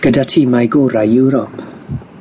gyda timau gorau Ewrop.